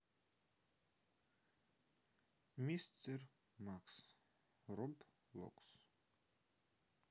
мистер макс роблокс